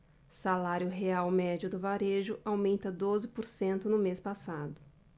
salário real médio do varejo aumenta doze por cento no mês passado